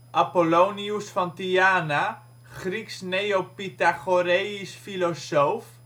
Apollonius van Tyana (*~ 2 n.Chr. -†~ 98 n.Chr.), Grieks neopythagoreïsch filosoof